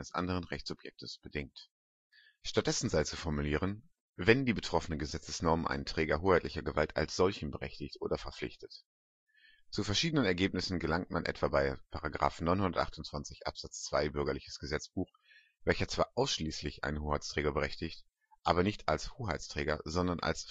anderen Rechtssubjekts bedingt. Stattdessen sei zu formulieren „ wenn die betroffene Gesetzesnorm einen Träger hoheitlicher Gewalt als solchen berechtigt oder verpflichtet “. Zu verschiedenen Ergebnissen gelangt man etwa bei § 928 II BGB, welcher zwar ausschließlich einen Hoheitsträger berechtigt, aber nicht als Hoheitsträger, sondern als